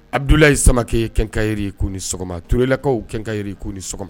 Abudula ye sama kɛ kɛkay ko sɔgɔma turelakaw kɛnkany ni sɔgɔma